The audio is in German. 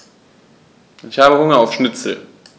Ich habe Hunger auf Schnitzel.